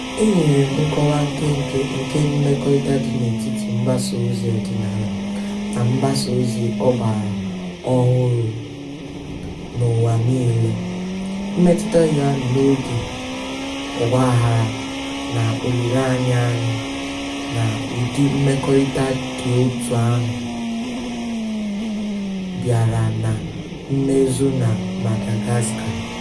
E nyere m nkọwa nkenke nke mmekọrịta dị n'etiti mgbasaozi ọdịnala na mgbasaozi ọgbaraọhụrụ n'ụwa niile, mmetụta ya n'oge ọgbaghara na olileanya anyị na ụdị mmekọrịta dị otú ahụ bịara na mmezu na Madagascar.